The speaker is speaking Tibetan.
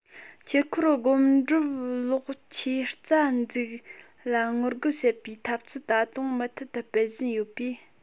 ཆོས འཁོར སྒོམ སྒྲུབ ལོག ཆོས རྩ འཛུགས ལ ངོ རྒོལ བྱེད པའི འཐབ རྩོད ད དུང མུ མཐུད དུ སྤེལ བཞིན ཡོད པས